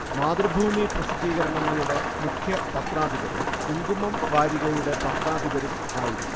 മാതൃഭൂമി പ്രസിദ്ധീകരണങ്ങളുടെ മുഖ്യ പത്രാധിപരും കുങ്കുമം വാരികയുടെ പത്രാധിപരും ആയിരുന്നു